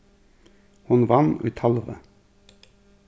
hon vann í talvi